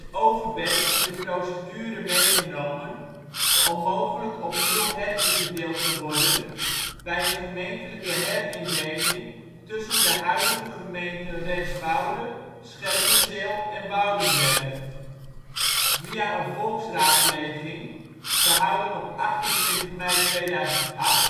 Overberg in de procedure meegenomen om mogelijk opnieuw heringedeeld te worden bij een Gemeentelijke Herindeling tussen de huidige gemeenten Renswoude, Scherpenzeel en Woudenberg. Via een volksraadpleging, gehouden op 28 mei 2008 kiest 76 %